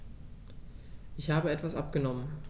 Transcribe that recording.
Ich habe etwas abgenommen.